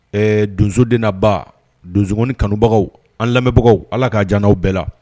Ɛɛ donso den n'a ba, donso ngɔni kanubagaw an lamɛnbagaw Ala ka diya an n'aw bɛɛ la.